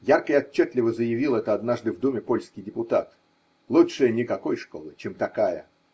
Ярко и отчетливо заявил это однажды в Думе польский депутат: лучше никакой школы, чем такая.